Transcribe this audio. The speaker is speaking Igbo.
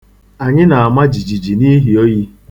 Anyị na-ama jjiji n'ihi oyi.